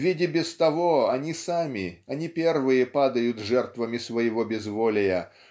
ведь и без того они сами, они первые падают жертвами своего безволия.